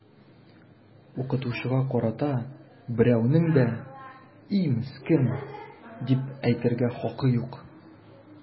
Укытучыга карата берәүнең дә “и, мескен” дип әйтергә хакы юк!